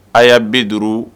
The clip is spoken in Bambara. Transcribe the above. A y'a bi duuru